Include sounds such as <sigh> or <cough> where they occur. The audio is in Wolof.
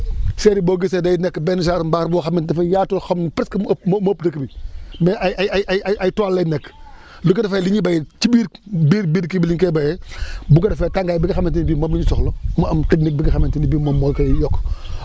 <noise> serre yi boo gisee day nekk benn genre mbaar boo xamante dafa yaatu yoo xam ne presque moo ëpp moo moo ëpp dëkk bi mais ay ay ay ay toiles lay nekk <breath> bu ko defee li ñuy béy ci biir biir biir kii bi lañ koy béyee <breath> bu ko defee tàngaay bi nga xamante ni bii <noise> moom la ñu soxla mu am technique bi nga xamante ne bii moom moo koy yokk <breath>